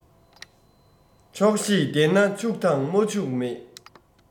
ཆོག ཤེས ལྡན ན ཕྱུག དང མ ཕྱུག མེད